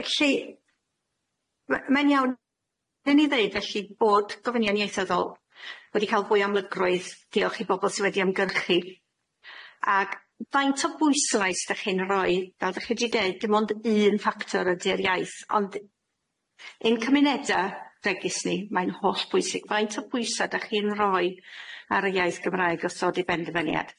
Felly m- mae'n iawn. Newn ni ddeud felly bod gofynion ieithyddol wedi ca'l fwy o amlygrwydd diolch i bobol sy wedi ymgyrchu ag faint o bwyslais dych chi'n roi fel dych chi di deud dim ond un factor ydi'r iaith ond, i'n cymuneda ddegys ni mae'n holl bwysig faint o bwysa' dych chi'n roi ar y iaith Gymraeg os ddod i bendefyniad?